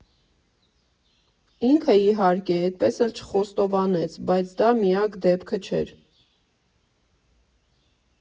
Ինքը, իհարկե, էդպես էլ չխոստովանեց, բայց դա միակ դեպքը չէր։